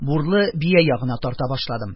Бурлы бия ягына тарта башладым.